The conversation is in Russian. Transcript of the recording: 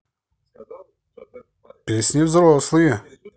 песни взрослые